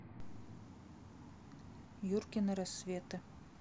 юркины рассветы